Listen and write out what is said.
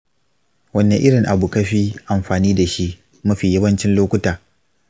wanne irin abu ka fi amfani da shi mafi yawancin lokuta?